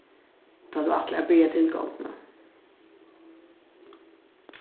tá tú ætlar at byrja tilgongdina